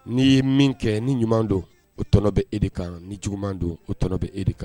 Ni ye min kɛ ni ɲuman don o tɔnɔ bɛ e de kan ni juguman don o t bɛ e de kan